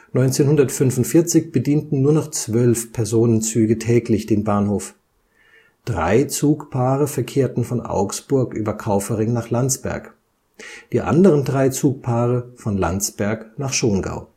1945 bedienten nur noch zwölf Personenzüge täglich den Bahnhof. Drei Zugpaare verkehrten von Augsburg über Kaufering nach Landsberg, die anderen drei Zugpaare von Landsberg nach Schongau